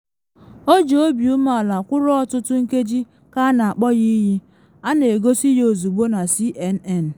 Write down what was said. O ji obi umeala kwụrụ ọtụtụ nkeji ka a na akpọ ya iyi, a na egosi ya ozugbo na CNN.